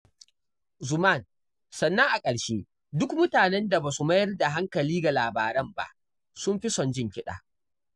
Xuman: Sannan a ƙarshe, duk mutanen da ba su mayar da hankali ga labaran ba sun fi son jin kiɗa.